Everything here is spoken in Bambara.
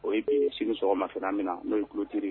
O sini ma fɛ min na n'o ye tulolotiri ye